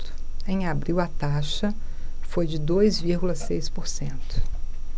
em abril a taxa foi de dois vírgula seis por cento